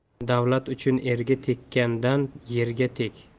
davlat uchun erga tekkandan yerga teg